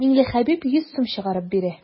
Миңлехәбиб йөз сум чыгарып бирә.